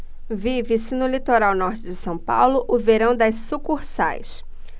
vive-se no litoral norte de são paulo o verão das sucursais